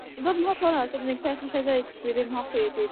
i fod yn hollol onasd yr unig beth allai ddeud dwi ddim yn hoffi ydi